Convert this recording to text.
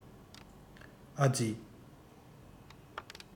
ཨ ཙི